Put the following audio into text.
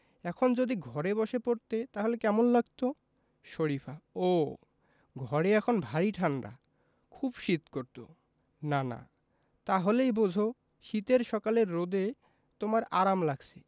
এখন যদি ঘরে বসে পড়তে তাহলে কেমন লাগত শরিফা ওহ ঘরে এখন ভারি ঠাণ্ডা খুব শীত করত নানা তা হলেই বোঝ শীতের সকালে রোদে তোমার আরাম লাগছে